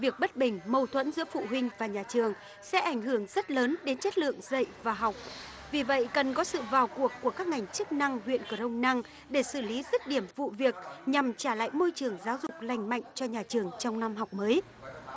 việc bất bình mâu thuẫn giữa phụ huynh và nhà trường sẽ ảnh hưởng rất lớn đến chất lượng dạy và học vì vậy cần có sự vào cuộc của các ngành chức năng huyện cờ rông năng để xử lý dứt điểm vụ việc nhằm trả lại môi trường giáo dục lành mạnh cho nhà trường trong năm học mới